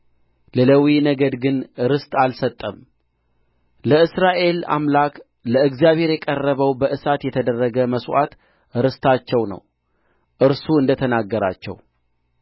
ለሌዊ ነገድ ግን ርስት አልሰጠም ለእስራኤል አምላክ ለእግዚአብሔር የቀረበው በእሳት የተደረገ መሥዋዕት ርስታቸው ነው እርሱ እንደ ተናገራቸው